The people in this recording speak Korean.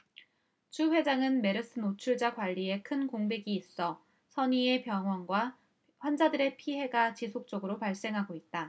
추 회장은 메르스 노출자 관리에 큰 공백이 있어 선의의 병원과 환자들의 피해가 지속적으로 발생하고 있다